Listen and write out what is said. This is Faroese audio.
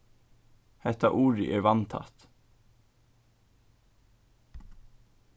hetta urið er vatntætt